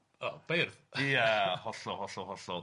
Ia, hollol, hollol, hollol.